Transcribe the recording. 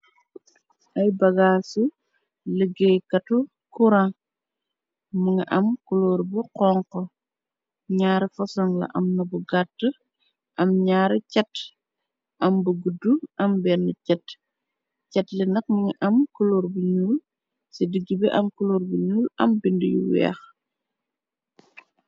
Ay bagaasu liggéey katu kuran, Mu ngi am kuloor bu honko. ñaar foson la, am na bu gàtt , am ñaar cet. am bu guddu am benn cet. cet yi nag mi ngi am kuloor bu ñuul ci digg bi am kuloor bu ñuul am bindi yu weeh.